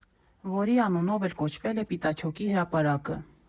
Որի անունով էլ կոչվել է «Պիտաչոկի» հրապարակը։